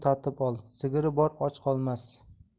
tatib ol sigiri bor och qolmas